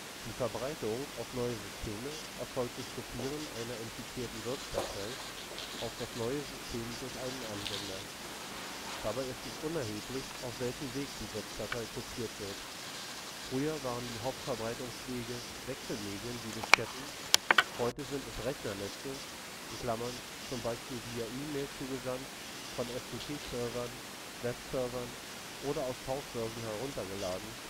Die Verbreitung auf neue Systeme erfolgt durch Kopieren einer infizierten Wirtsdatei auf das neue System durch einen Anwender. Dabei ist es unerheblich, auf welchem Weg diese Wirtsdatei kopiert wird: Früher waren die Hauptverbreitungswege Wechselmedien wie Disketten, heute sind es Rechnernetze (zum Beispiel via E-Mail zugesandt, von FTP-Servern, Web-Servern oder aus Tauschbörsen heruntergeladen